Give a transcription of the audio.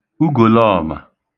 ugòlọọ̀mà